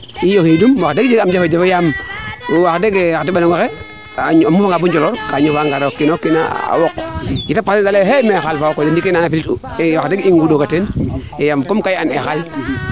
i o xiidum wax deg i njega jafe jafe yaam wax deg xa teɓanongaxe a moofa nga bo njolor ka moofa bo o kiino kiin a woq yete pare na koy de leya ne xaal fa koy ndiki naana felit u e wax deg i ngundooga teen e wax deg ka i an ee xaal